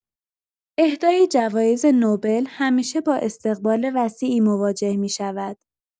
اهدای جایزه نوبل همیشه با استقبال وسیعی مواجه می‌شود.